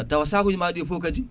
tawa sakuji ma ɗi foof kadi